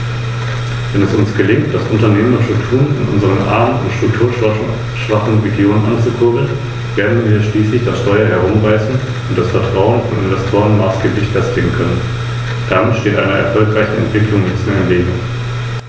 Das wird durch staatliche Maßnahmen ermöglicht, und eine solche Dezentralisation der höheren Ausbildung ist nachgerade eine sinnvolle Politik für eine ausgeglichene Entwicklung.